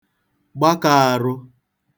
gbakā ārụ̄